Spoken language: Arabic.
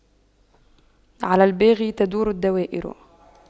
على الباغي تدور الدوائر